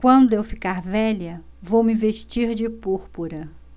quando eu ficar velha vou me vestir de púrpura